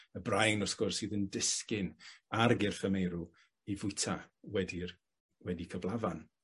Y brain wrth gwrs sydd yn disgyn ar gyrff y meirw i fwyta wedi'r wedi cyflafan.